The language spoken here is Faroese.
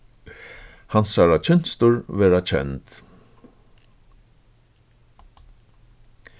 hansara kynstur verða kend